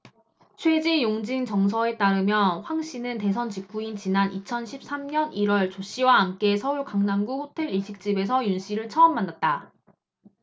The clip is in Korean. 최지용진정서에 따르면 황씨는 대선 직후인 지난 이천 십 삼 년 일 월 조씨와 함께 서울 강남구 호텔 일식집에서 윤씨를 처음 만났다